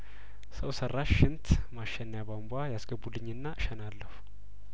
ሰው ሰራሽ ሽንት ማሸኒያ ቧንቧ ያስገቡልኝና እሸናለሁ